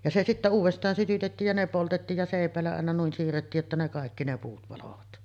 ja se sitten uudestaan sytytettiin ja ne poltettiin ja seipäillä aina noin siirrettiin jotta ne kaikki ne puut paloivat